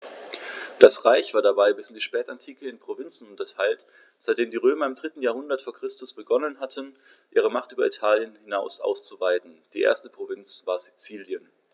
Das Reich war dabei bis in die Spätantike in Provinzen unterteilt, seitdem die Römer im 3. Jahrhundert vor Christus begonnen hatten, ihre Macht über Italien hinaus auszuweiten (die erste Provinz war Sizilien).